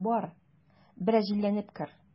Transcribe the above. Бар, бераз җилләнеп кер.